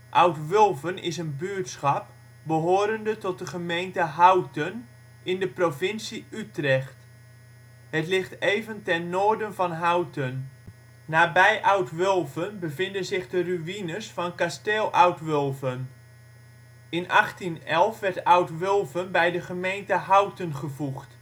Oud-Wulven is een buurtschap behorende tot de gemeente Houten, in de provincie Utrecht. Het ligt even ten noorden van Houten. Nabij het Oud-Wulven bevinden zich de ruïnes van Kasteel Oud-Wulven. In 1811 werd Oud-Wulven bij de gemeente Houten gevoegd